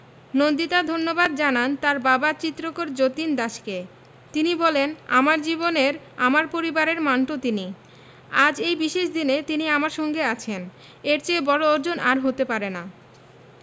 নন্দিতা ধন্যবাদ জানান তার বাবা চিত্রকর যতীন দাসকে তিনি বলেন আমার জীবনের আমার পরিবারের মান্টো তিনি আজ এই বিশেষ দিনে তিনি আমার সঙ্গে আছেন এর চেয়ে বড় অর্জন আর হতে পারে না